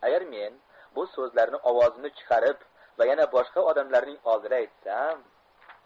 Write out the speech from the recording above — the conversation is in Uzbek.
agar men bu so'zlarni ovozimni chiqarib va yana boshqa odamlarning oldida aytsam